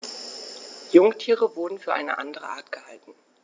Jungtiere wurden für eine andere Art gehalten.